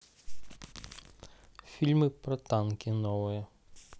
фильмы про танки новые